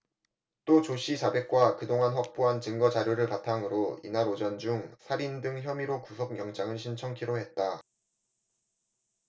또 조씨 자백과 그동안 확보한 증거 자료를 바탕으로 이날 오전 중 살인 등 혐의로 구속영장을 신청키로 했다